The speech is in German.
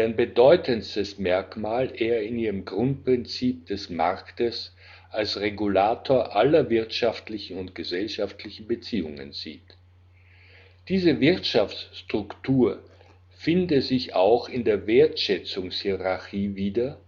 bedeutendstes Merkmal er in ihrem Grundprinzip des Marktes als Regulator aller wirtschaftlichen und gesellschaftlichen Beziehungen sieht. Diese Wirtschaftsstruktur fände sich auch in der Wertschätzungshierarchie wieder